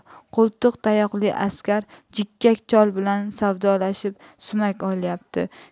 qo'ltiqtayoqli askar jikkak chol bilan savdolashib sumak olyapti